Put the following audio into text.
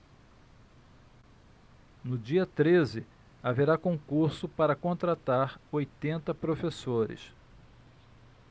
no dia treze haverá concurso para contratar oitenta professores